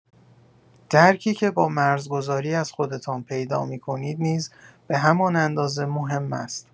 درکی که با مرزگذاری از خودتان پیدا می‌کنید نیز به همان اندازه مهم است.